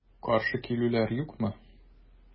Каршы килүләр юкмы?